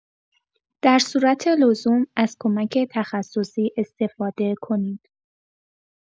در صورت لزوم از کمک تخصصی استفاده کنید.